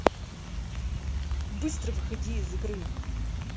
быстро выходи из игры